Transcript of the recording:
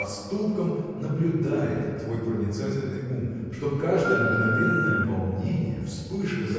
поступком наблюдает твой проницательный ум чтоб каждое мгновенное волнение вспышка